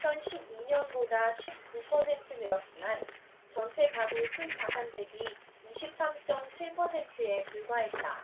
이천 십 이 년보다 십 구 퍼센트 늘었지만 전체가구 순자산 대비 이십 삼 쩜 칠 퍼센트에 불과했다